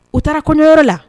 U taara kɔnɔyɔrɔ la